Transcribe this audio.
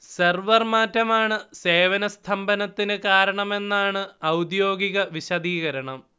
server മാറ്റമാണ് സേവന സ്തംഭനത്തിന് കാരണമെന്നാണ് ഔദ്യോഗിക വിശദീകരണം